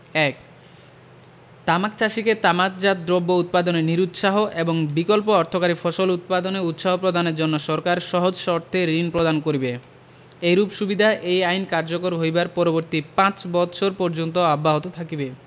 ১ তামাক চাষীকে তামাকজাত দ্রব্য উৎপাদনে নিরুৎসাহ এবং বিকল্প অর্থকরী ফসল উৎপাদনে উৎসাহ প্রদানের জন্য সরকার সহজ শর্তে ঋণ প্রদান করিবে এইরূপ সুবিধা এই আইন কার্যকর হইবার পরবর্তী পাঁচ ৫ বৎসর পর্যন্ত অব্যাহত থাকিবে